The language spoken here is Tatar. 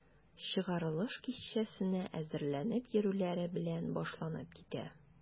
Чыгарылыш кичәсенә әзерләнеп йөрүләре белән башланып китә.